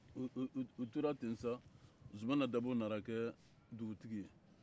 u tora ten sa zumana dabo nana kɛ dugutigi ye